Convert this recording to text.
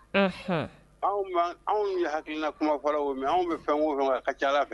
Anw ye hakiina kuma fɔlɔ min anw bɛ fɛn wo fɛ ka ca ala fɛ